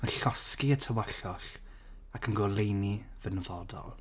yn llosgi y tywyllwch ac yn goleuni fy nyfodol.